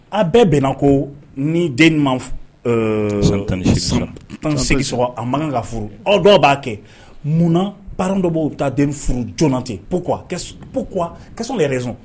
A bɛɛ bɛnna ko ni den tan sɔrɔ a man kan ka furu aw dɔw b'a kɛ munna pandɔbaw ta den furu j ten ka yɛrɛson